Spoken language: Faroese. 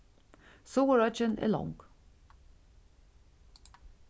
suðuroyggin er long